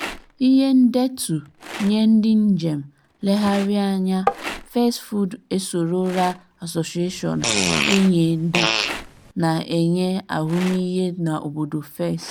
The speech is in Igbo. (Ihe ndetu nye ndị njem nlegharị anya: Fez Food esorola Association ENNAHDA na-enye ahụmịhe na obodo Fez.)